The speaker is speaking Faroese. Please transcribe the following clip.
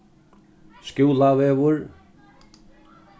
skúlavegur